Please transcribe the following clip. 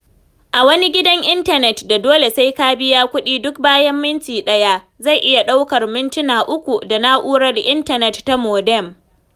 A wani gidan intanet da dole sai ka biya kuɗi duk bayan minti ɗaya, zai iya ɗaukar mintuna 3 da na'urar intanet ta modem.